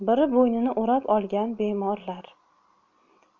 biri bo'ynini o'rab olgan bemorlar